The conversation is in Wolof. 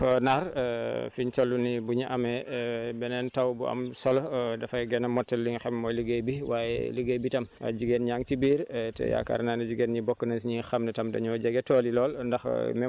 jërëjëf Naar fién toll nii bu ñu amee beneen taw bu am solo dafay gën a motali li nga xam mooy liggéey bi waaye liggéey bi tam jigéen ñaa ngi si biir te yaakaar naa ne jigéen ñi bokk nañ si ñi nga xam ne tamit dañoo jege tool yi lool